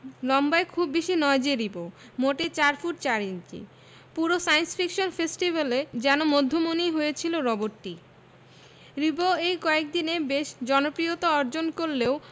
লম্বায় খুব বেশি নয় যে রিবো মোটে ৪ ফুট ৪ ইঞ্চি পুরো সায়েন্স ফিকশন ফেস্টিভ্যালে যেন মধ্যমণি হয়েছিল রোবটটি রিবো এই কয়দিনে বেশ জনপ্রিয়তা অর্জন করলেও